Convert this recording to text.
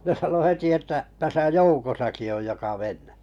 ja ne sanoi heti että tässä joukossakin on joka menee